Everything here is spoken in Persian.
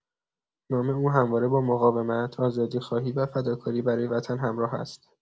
نام او همواره با مقاومت، آزادی‌خواهی و فداکاری برای وطن همراه است.